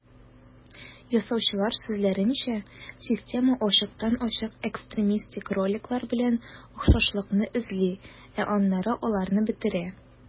Ясаучылар сүзләренчә, система ачыктан-ачык экстремистик роликлар белән охшашлыкны эзли, ә аннары аларны бетерә.